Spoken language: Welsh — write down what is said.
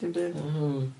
Dim byd. Hmm.